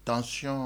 Tc